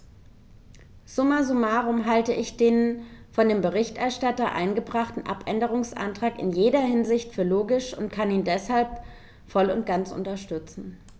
Summa summarum halte ich den von dem Berichterstatter eingebrachten Abänderungsantrag in jeder Hinsicht für logisch und kann ihn deshalb voll und ganz unterstützen.